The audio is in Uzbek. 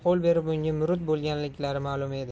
qo'l berib unga murid bo'lganliklari malum edi